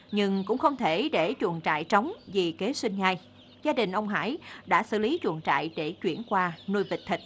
nhưng cũng không thể để chuồng trại trống dì kế sinh nhai gia đình ông hải đã xử lý chuồng trại để chuyển qua nuôi vịt thịt